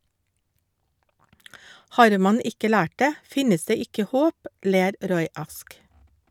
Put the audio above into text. Har man ikke lært det, finnes det ikke håp, ler Roy Ask.